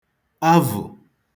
avụ̀